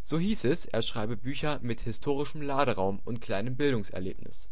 So hieß es, er schreibe Bücher „ mit historischem Laderaum und kleinem Bildungserlebnis